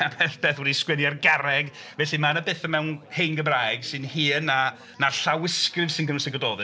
Ambell beth wedi sgwennu ar garreg felly mae 'na betha mewn hen Gymraeg sy'n hŷn na na'r llawysgrif sy'n cynnwys y Gododdin.